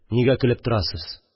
Нигә көлеп торасыз